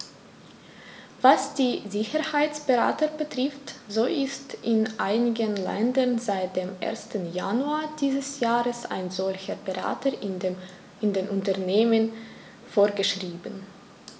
Was die Sicherheitsberater betrifft, so ist in einigen Ländern seit dem 1. Januar dieses Jahres ein solcher Berater in den Unternehmen vorgeschrieben.